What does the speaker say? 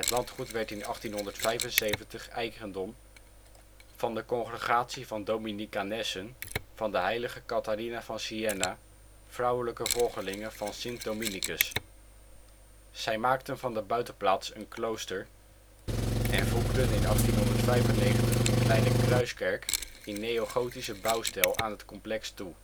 landgoed werd in 1875 eigendom van de congregatie van dominicanessen van de Heilige Catharina van Siena, vrouwelijke volgelingen van Sint Dominicus. Zij maakten van de buitenplaats een klooster en voegden in 1895 een kleine kruiskerk in neogotische bouwstijl aan het complex toe